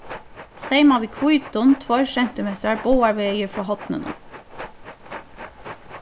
seyma við hvítum tveir sentimetrar báðar vegir frá horninum